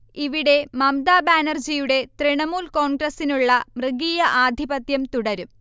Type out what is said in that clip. ഇവിടെ മമ്ത ബാനർജിയുടെ തൃണമൂൽ കോൺഗ്രസിനുള്ള മൃഗീയ ആധിപത്യം തുടരും